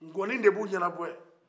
ŋoni de bɛ u ɲɛna jɛ